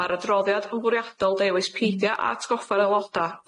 Ma'r adroddiad hwriadol dewis peidio â atgoffa'r aeloda'